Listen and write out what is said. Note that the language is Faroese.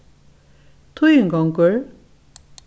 tíðin gongur